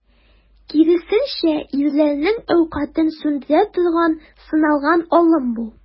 Киресенчә, ирләрнең әүкатен сүндерә торган, сыналган алым бу.